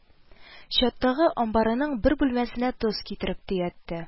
Чаттагы амбарының бер бүлмәсенә тоз китереп төятте